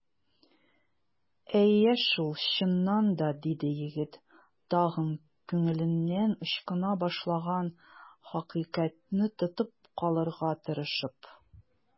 Әйе шул, чыннан да! - диде егет, тагын күңеленнән ычкына башлаган хакыйкатьне тотып калырга тырышып.